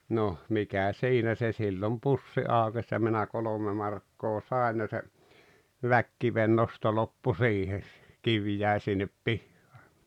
no mikä siinä se silloin pussi aukesi ja minä kolme markkaa sain ja se väkikivennosto loppui siihen se kivi jäi sinne pihaan